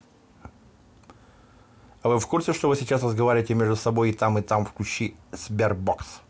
а вы в курсе что вы сейчас разговариваете между собой и там и там включи sberbox